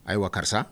Ayiwa karisa